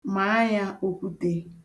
Maa ya okwute.